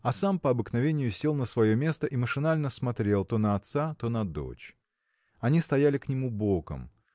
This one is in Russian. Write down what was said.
а сам по обыкновению сел на свое место и машинально смотрел то на отца то на дочь. Они стояли к нему боком.